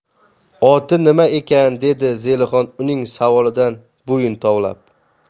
oti nima ekan dedi zelixon uning savolidan bo'yin tovlab